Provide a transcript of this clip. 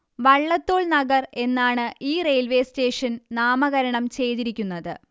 വള്ളത്തോൾ നഗർ എന്നാണ് ഈ railway station നാമകരണം ചെയ്തിരിക്കുന്നത്